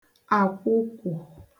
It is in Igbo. àkwụkwụ̀